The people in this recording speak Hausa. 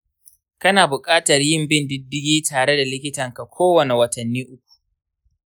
kana buƙatar yin bin diddigi tare da likitanka kowane watanni uku.